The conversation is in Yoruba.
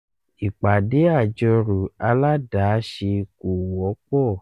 Ìpàdé àjọrò aládàáṣe kò wọ́pọ̀.